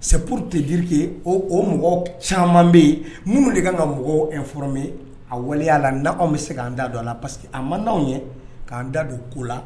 sɛporo tɛ jirike o mɔgɔ caman bɛ yen minnu de kan ka mɔgɔwf bɛ a waleya la n' anw bɛ se k'an da don a la parce que a ma n' anwanw ye k'an da don ko la